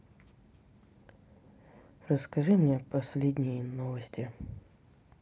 расскажи мне последние новости